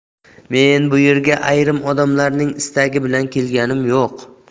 men bu yerga ayrim odamlarning istagi bilan kelganim yo'q